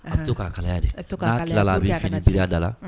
A bɛ to k'a kalaya de k'a tilala a bɛ fini ciya da la